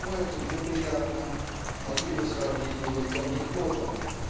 кому это неприятно могли бы сравнить его с Дон Кихотом